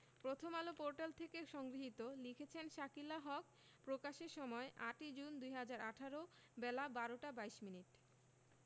Prothom Alo portal থেকে সংগৃহীত লিখেছেন শাকিলা হক প্রকাশের সময় ৮ই জুন ২০১৮ বেলা ১২টা ২২মিনিট